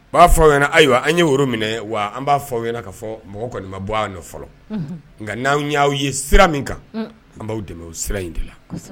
U b'a fɔ aw ayiwa an ye woro minɛ wa an b'a fɔ aw ɲɛna ka fɔ mɔgɔ kɔni bɔ fɔlɔ nka n'an y'aw ye sira min kan an b'aw dɛmɛ o sira in de la